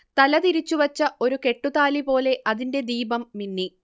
തലതിരിച്ചു വച്ച ഒരു കെട്ടുതാലിപോലെ അതിന്റെ ദീപം മിന്നി